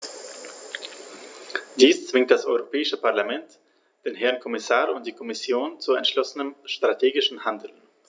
Dies zwingt das Europäische Parlament, den Herrn Kommissar und die Kommission zu entschlossenem strategischen Handeln.